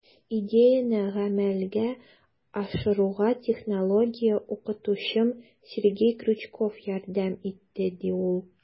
Идеяне гамәлгә ашыруга технология укытучым Сергей Крючков ярдәм итте, - ди ул.